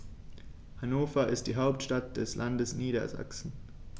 Hannover ist die Hauptstadt des Landes Niedersachsen.